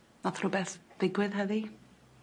Nath rhwbeth ddigwydd heddi?